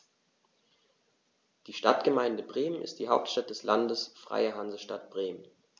Die Stadtgemeinde Bremen ist die Hauptstadt des Landes Freie Hansestadt Bremen.